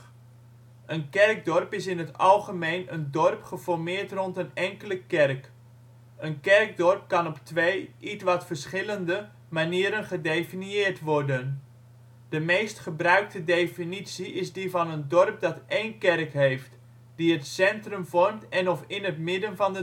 kerkdorp is in het algemeen een dorp geformeerd rond een enkele kerk. Een kerkdorp kan op twee, ietwat verschillende, manieren gedefinieerd worden: De meest gebruikte definitie is die van een dorp dat één kerk heeft, die het centrum vormt en/of in het midden van